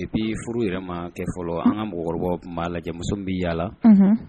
Ipi furu yɛrɛ ma kɛ fɔlɔ an ka mɔgɔ ma lajɛmuso bɛ yaala